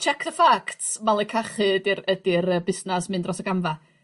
check the facts malu cahu 'di'r ydi'r yy busnas mynd dros y gamfa.